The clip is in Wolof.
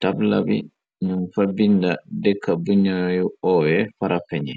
tabla bi ñum fa binda dekka buñooyu oowe fara fe ñi.